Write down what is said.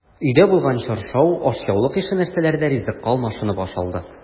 Өйдә булган чаршау, ашъяулык ише нәрсәләр дә ризыкка алмашынып ашалды.